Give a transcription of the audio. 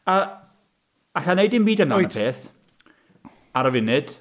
A alla i wneud dim byd... Wyt... Amdan y peth, ar y funud.